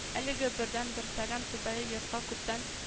Әлеге бердәнбер салам түбәле йортка күптән